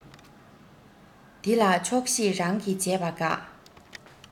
འདི ལ ཆོག ཤེས རང གིས བྱས པ དགའ